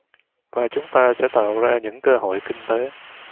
và chúng ta sẽ tạo ra những cơ hội kinh tế